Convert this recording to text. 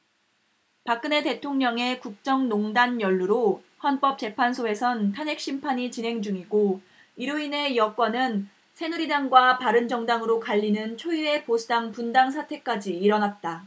박근혜 대통령의 국정농단 연루로 헌법재판소에선 탄핵 심판이 진행 중이고 이로 인해 여권은 새누리당과 바른정당으로 갈리는 초유의 보수당 분당 사태까지 일어났다